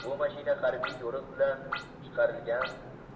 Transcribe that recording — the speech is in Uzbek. bu mashina harbiy yo'riq bilan chiqarilgan